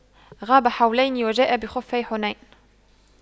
غاب حولين وجاء بِخُفَّيْ حنين